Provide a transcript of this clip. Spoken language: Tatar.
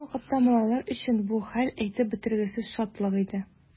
Ул вакытта малайлар өчен бу хәл әйтеп бетергесез шатлык иде.